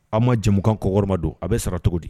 A ma jɛmukan kɔ kɔrɔma don a bi sara cogo di?